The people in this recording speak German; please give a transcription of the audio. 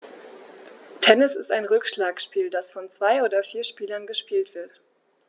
Tennis ist ein Rückschlagspiel, das von zwei oder vier Spielern gespielt wird.